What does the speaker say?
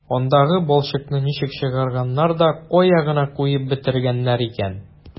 Андагы балчыкны ничек чыгарганнар да кая гына куеп бетергәннәр икән...